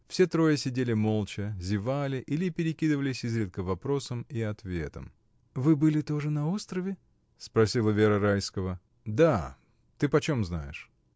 Все трое сидели молча, зевали или перекидывались изредка вопросом и ответом. — Вы были тоже на острове? — спросила Вера Райского. — Да — ты почем знаешь?